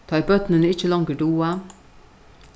tá ið børnini ikki longur duga